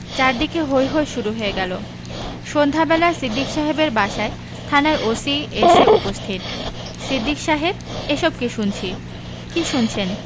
চারদিকে হৈ হৈ শুরু হয়ে গেল সন্ধ্যাবেলা সিদ্দিক সাহেবের বাসায় থানার ওসি এসে উপস্থিত সিদ্দিক সাহেব এসব কি শুনছি কি শুনছেন